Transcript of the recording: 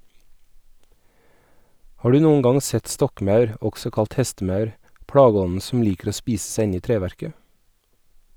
Har du noen gang sett stokkmaur, også kalt hestemaur, plageånden som liker å spise seg inn i treverket?